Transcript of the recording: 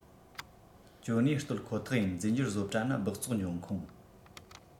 ཅོ ནེ གཏོད ཁོ ཐག ཡིན རྫས འགྱུར བཟོ གྲྭ ནི སྦགས བཙོག འབྱུང ཁུངས